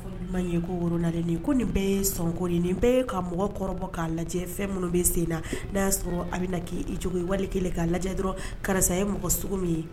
Man ye ko woro la ko nin bɛɛ ye sonko nin bɛɛ ye ka mɔgɔ kɔrɔ k'a lajɛ fɛn minnu bɛ sen na n'a y'a sɔrɔ a bɛ na k' i cogo wali kelen k'a lajɛ dɔrɔn karisa ye mɔgɔ sugu min ye